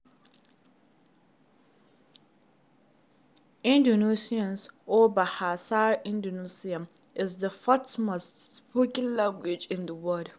Indonesian – or Bahasa Indonesia – is the fourth most spoken language in the world